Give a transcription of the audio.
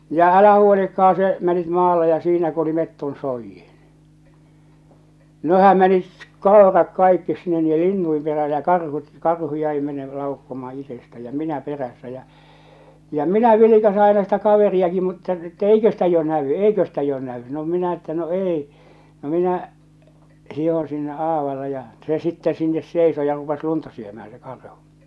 ja älähän huolikaan se meni maalle ja siinä kun oli metson soidin nehän meni koirat kaikki sinne niiden lintujen perään ja karhut karhu jäi - laukkaamaan itsestään ja minä perässä ja ja minä vilkaisen aina sitä kaveriakin mutta että eikö sitä jo näy eikö sitä jo näy no minä että no ei no minä hiihdin sinne aavalle ja se sitten sinne seisoi ja rupesi lunta syömään se karhu